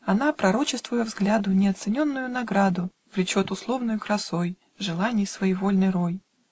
Она, пророчествуя взгляду Неоцененную награду, Влечет условною красой Желаний своевольный рой.